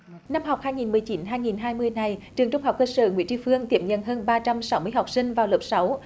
năm học hai nghìn mười chín hai nghìn hai mươi này trường trung học cơ sở nguyễn tri phương tiếp nhận hơn ba trăm sáu mươi học sinh vào lớp sáu